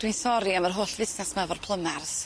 Dwi'n sori am yr holl fustas ma' efo'r plymars.